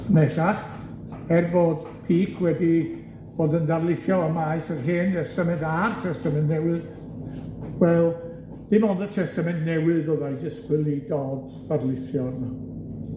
Neu lall, er bod Peak wedi bod yn ddarlithio ym maes yr Hen Destament a'r Testament Newydd, wel, dim ond y Testament newydd fyddai disgwyl i Dodd ddarlithio arno.